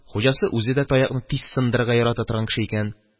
Хуҗасы үзе дә таякны тиз сындырырга ярата торган кеше икән.